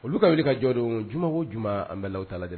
Olu ka wuli ka jɔdon juma ko juma an bɛɛ u ta lajɛ lajɛlen